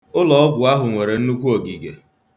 Ụlọọgwụ ahụ nwere nnukwu ogige.